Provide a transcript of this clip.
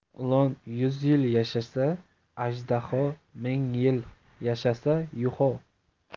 ilon yuz yil yashasa ajdaho ming yil yashasa yuho